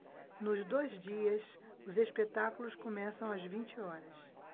nos dois dias os espetáculos começam às vinte horas